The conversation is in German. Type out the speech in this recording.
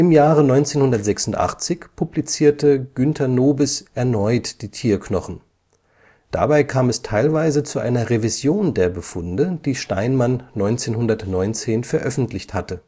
Jahre 1986 publizierte Günter Nobis erneut die Tierknochen. Dabei kam es teilweise zu einer Revision der Befunde, die Steinmann 1919 veröffentlicht hatte